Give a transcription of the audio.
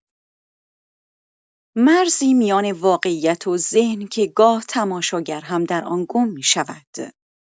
مرزی میان واقعیت و ذهن که گاه تماشاگر هم در آن گم می‌شود.